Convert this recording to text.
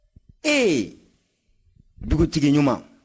ɛɛ dugutigi ɲuman